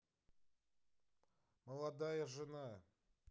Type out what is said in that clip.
молодая жена